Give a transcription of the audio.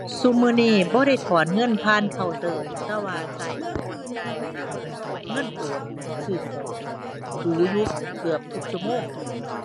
ซุมื้อนี้บ่ได้ถอนเงินผ่านเคาน์เตอร์ แต่ว่าใช้เงินโอนซื้อของดู๋อยู่ เกือบทุกชั่วโมง